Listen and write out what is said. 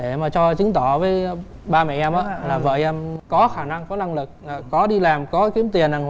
để mà cho chứng tỏ với ba mẹ em á là vợ em có khả năng có năng lực có đi làm có kiếm tiền đàng